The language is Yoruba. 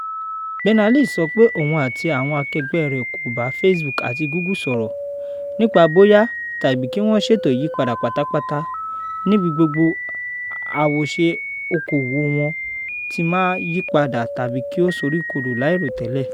Berners-Lee sọ pé òun àti àwọn akẹgbẹ́ rẹ̀ kò bá “Facebook àti Google” sọ̀rọ̀ nípa bóyá tàbí ki wọ́n ṣètò ìyípadà pátápátá níbi gbogbo àwòṣe òkòwò wọn tí máa yípadà tàbí kí ó soríkodò láìròtẹ́lẹ̀.